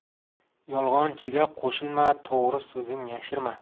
yolg'onchiga qo'shilma to'g'ri so'zing yashirma